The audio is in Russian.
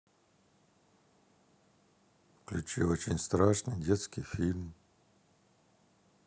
включи очень страшный детский фильм